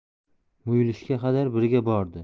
muyulishga qadar birga bordi